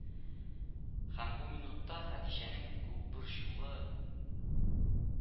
Һәм бу минутта хәдичәнең күп борчулы